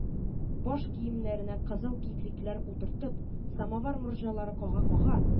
Баш киемнәренә кызыл кикрикләр утыртып, самовар морҗалары кага-кага